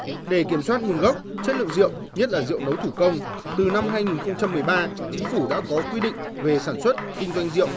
để kiểm soát nguồn gốc chất lượng rượu nhất là rượu nấu thủ công từ năm hai nghìn không trăm mười ba chính phủ đã có quy định về sản xuất kinh doanh rượu